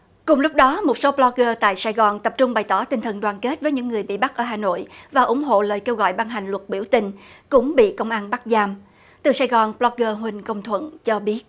cùng lúc đó một số bờ loóc gơ tại sài gòn tập trung bày tỏ tinh thần đoàn kết với những người bị bắt ở hà nội và ủng hộ lời kêu gọi ban hành luật biểu tình cũng bị công an bắt giam từ sài gòn bờ loóc gơ huỳnh công thuận cho biết